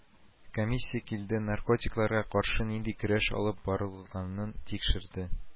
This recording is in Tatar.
Комиссия килде, наркотикларга каршы нинди көрәш алып барылганын тикшерде